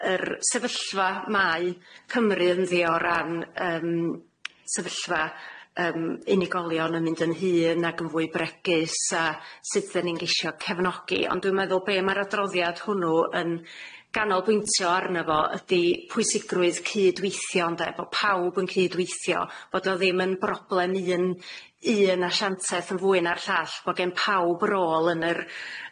yr sefyllfa mae Cymru ynddi o ran yym sefyllfa yym unigolion yn mynd yn hŷn ag yn fwy bregus a sud dan ni'n gesio cefnogi ond dwi'n meddwl be' ma'r adroddiad hwnnw yn ganolbwyntio arno fo ydi pwysigrwydd cydweithio ynde bo' pawb yn cydweithio bod o ddim yn broblem un un asianteth yn fwy na'r llall bo' gen pawb rôl yn yr